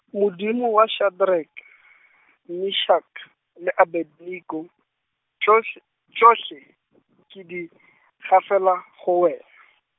Modimo wa Shadrack , Meshack, le Abednego, tšohl-, tšohle ke di , gafela, go wena.